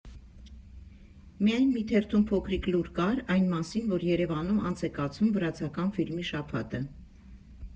Միայն մի թերթում փոքրիկ լուր կար այն մասին, որ Երևանում անց է կացվում վրացական ֆիլմի շաբաթը։